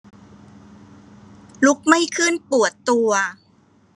ลุกไม่ขึ้นปวดตัว